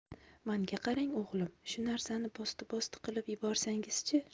manga qarang o'g'lim shu narsani bosdi bosdi qilib yuborsangiz chi